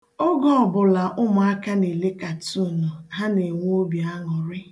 Oge ọbụla ụmụaka na-ele katuunu, ha na-enwe obi anụrị.